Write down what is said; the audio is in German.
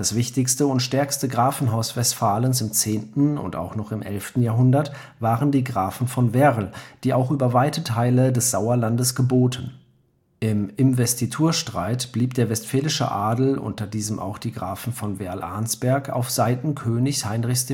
wichtigste und stärkste Grafenhaus Westfalens im 10. und auch noch im 11. Jahrhundert waren die Grafen von Werl, die auch über weite Teile des Sauerlandes geboten. Im Investiturstreit blieb der westfälische Adel, unter diesem auch die Grafen von Werl-Arnsberg, auf Seiten König Heinrichs